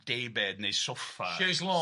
daybed neu soffa, chaise launge.